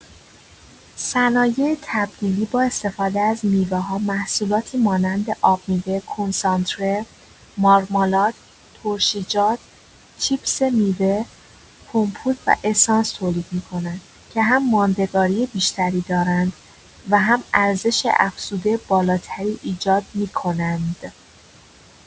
صنایع تبدیلی با استفاده از این میوه‌ها محصولاتی مانند آبمیوه، کنسانتره، مارمالاد، ترشیجات، چیپس میوه، کمپوت و اسانس تولید می‌کنند که هم ماندگاری بیشتری دارند و هم ارزش‌افزوده بالاتری ایجاد می‌کنند.